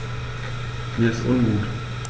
Mir ist ungut.